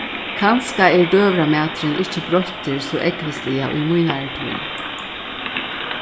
kanska er døgurðamaturin ikki broyttur so ógvusliga í mínari tíð